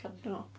Cadno.